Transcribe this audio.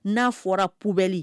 N'a fɔra poubelle